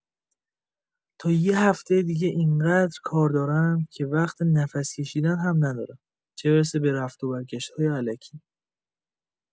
تا یه هفته دیگه این‌قدر کار دارم که وقت نفس‌کشیدن هم ندارم، چه برسه به رفت‌وبرگشت‌های الکی.